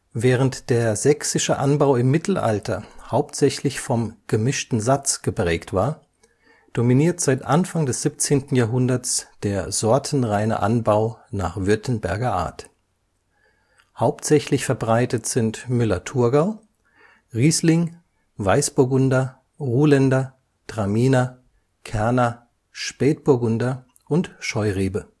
Während der sächsische Anbau im Mittelalter hauptsächlich vom Gemischten Satz geprägt war, dominiert seit Anfang des 17. Jahrhunderts der sortenreine Anbau („ nach württemberger Art “). Hauptsächlich verbreitet sind Müller-Thurgau, Riesling, Weißburgunder, Ruländer, Traminer, Kerner, Spätburgunder und Scheurebe